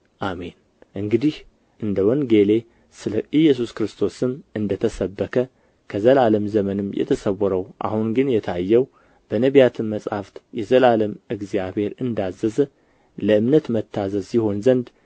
አሜን እንግዲህ እንደ ወንጌሌ ስለ ኢየሱስ ክርስቶስም እንደ ተሰበከ ከዘላለም ዘመንም የተሰወረው አሁን ግን የታየው በነቢያትም መጻሕፍት የዘላለም እግዚአብሔር እንደ አዘዘ ለእምነት መታዘዝ ይሆን ዘንድ